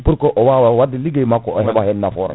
pour que o wawa wadde ligguey makko o heeɓa hen nafoore